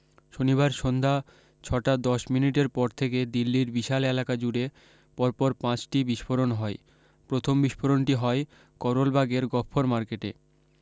শনিবার সন্ধ্যা ছটা দশ মিনিটের পর থেকে দিল্লীর বিশাল এলাকা জুড়ে পরপর পাঁচ টি বিস্ফোরণ হয় প্রথম বিস্ফোরণটি হয় করোল বাগের গফফর মার্কেটে